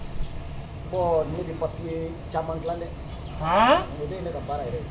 Bon_ ne bɛ papier caaman dilan dɛ, haan, o de ye ne ka baara yɛrɛ.